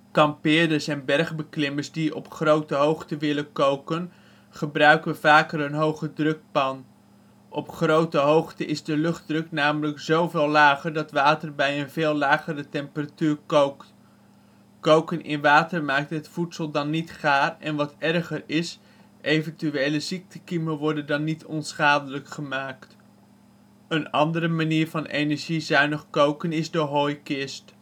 Kampeerders en bergbeklimmers die op grote hoogte willen koken, gebruiken vaker een hogedrukpan. Op grote hoogte is de luchtdruk namelijk zoveel lager dat water bij een veel lagere temperatuur kookt. Koken in water maakt het voedsel dan niet gaar en wat erger is, eventuele ziektekiemen worden dan niet onschadelijk gemaakt. Een andere manier van energiezuinig koken is de hooikist